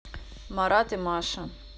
марат и маша